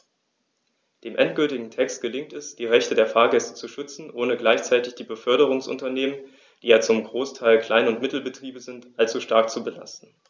Dem endgültigen Text gelingt es, die Rechte der Fahrgäste zu schützen, ohne gleichzeitig die Beförderungsunternehmen - die ja zum Großteil Klein- und Mittelbetriebe sind - allzu stark zu belasten.